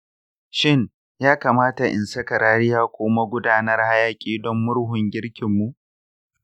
shin ya kamata in saka rariya ko magudanar hayaƙi don murhun girkinmu?